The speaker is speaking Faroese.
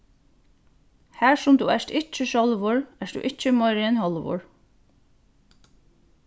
har sum tú ert ikki sjálvur ert tú ikki meiri enn hálvur